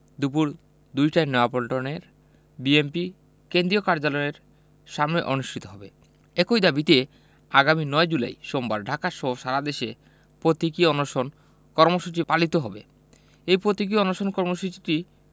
দুপুর দুইটায় নয়াপল্টনের বিএনপি কেন্দ্রীয় কার্যালয়ের সামনে অনুষ্ঠিত হবে একই দাবিতে আগামী ৯ জুলাই সোমবার ঢাকাসহ সারাদেশে প্রতীকী অনশন কর্মসূচি পালিত হবে এই প্রতীকী অনশন কর্মসূচিটি